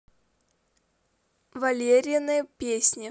валерины песни